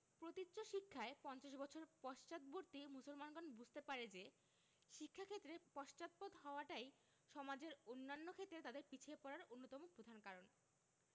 প্রতীচ্য শিক্ষায় পঞ্চাশ বছর পশ্চাদ্বর্তী মুসলমানগণ বুঝতে পারে যে শিক্ষাক্ষেত্রে পশ্চাৎপদ হওয়াটাই সমাজের অন্যান্য ক্ষেত্রে তাদের পিছিয়ে পড়ার অন্যতম প্রধান কারণ